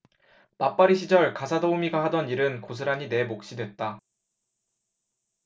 맞벌이 시절 가사도우미가 하던 일은 고스란히 내 몫이 됐다